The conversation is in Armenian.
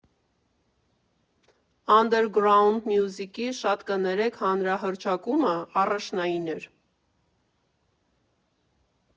Անդերգրաունդ մյուզիքի, շատ կներեք, հանրահռչակումը, առաջնային էր։